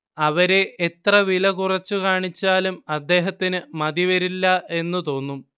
അവരെ എത്ര വിലകുറച്ചുകാണിച്ചാലും അദ്ദേഹത്തിന് മതിവരില്ല എന്നു തോന്നും